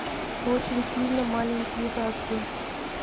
очень сильно маленькие хаски